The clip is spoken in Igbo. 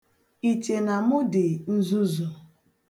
Iche na mụ dị nzuzu?